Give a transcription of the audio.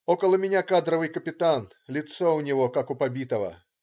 Около меня - кадровый капитан, лицо у него как у побитого.